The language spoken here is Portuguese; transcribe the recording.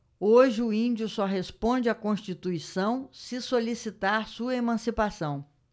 hoje o índio só responde à constituição se solicitar sua emancipação